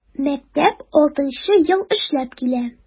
Мәктәп 6 нчы ел эшләп килә.